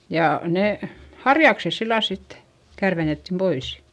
ja ne harjakset sillä lailla sitten kärvennettiin pois